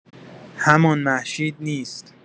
همان مهشید نیست.